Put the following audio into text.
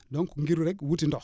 donc ngir rek wuti ndox